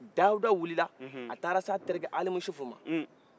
dawuda wilila a taara s'a terikɛ alimusufu ma